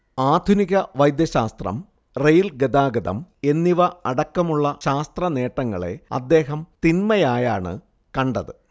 ആധുനിക വൈദ്യശാസ്ത്രം റെയിൽ ഗതാഗതം എന്നിവ അടക്കമുള്ള ശാസ്ത്രനേട്ടങ്ങളെ അദ്ദേഹം തിന്മയായാണ് കണ്ടത്